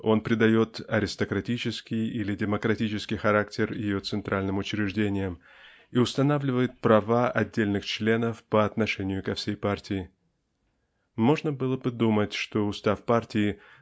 он придает аристократический или демократический характер ее центральным учреждениям и устанавливает права отдельных членов по отношению ко всей партии. Можно было бы думать что устав партии